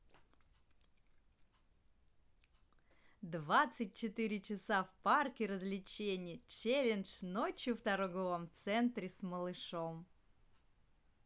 двадцать четыре часа в парке развлечений челлендж ночью в торговом центре с малышом